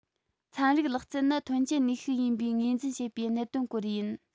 ཚན རིག ལག རྩལ ནི ཐོན སྐྱེད ནུས ཤུགས ཡིན པའི ངོས འཛིན བྱེད པའི གནད དོན སྐོར ཡིན